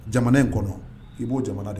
Jamana in kɔnɔ i b'o jamana de ye